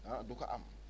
ah du ko am